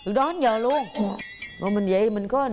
đó đến giờ luôn rồi mình vậy mình có